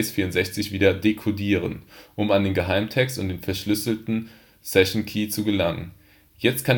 Base64 wieder decodieren, um an den Geheimtext und den verschlüsselten Session Key zu gelangen. Jetzt